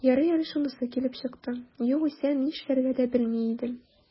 Ярый әле шунысы килеп чыкты, югыйсә, нишләргә дә белми идем...